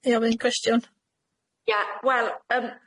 'ai ofyn cwestiwn. Ia wel yym.